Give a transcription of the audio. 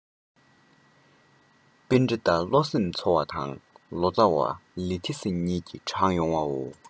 པཎྡི ཏ བློ སེམས འཚོ དང ལོ ཙ བ ལི ཐེ སི གཉིས ཀྱིས དྲངས ཡོང བའོ